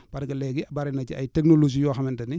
parce que léegi bare na ci ay technologies yoo xamante ni